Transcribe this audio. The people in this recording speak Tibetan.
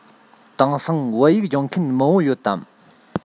དེང སང བོད ཡིག སྦྱོང མཁན མང པོ ཡོད དམ